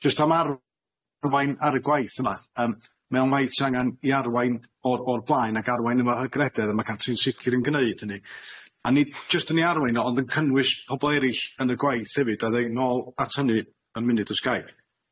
Jyst am ar- arwain ar y gwaith yma yym mewn maith sy angan 'i arwain o'r o'r blaen ag arwain yma y grededd a ma' gati'n sicr yn gneud hynny a nid jyst yn 'i arwain o ond yn cynnwys pobol erill yn y gwaith hefyd a ddeud nôl at hynny yn munud os gai.